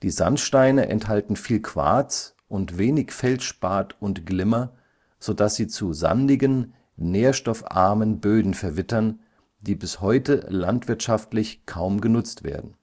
Sandsteine enthalten viel Quarz und wenig Feldspat und Glimmer, so dass sie zu sandigen, nährstoffarmen Böden verwittern, die bis heute landwirtschaftlich kaum genutzt werden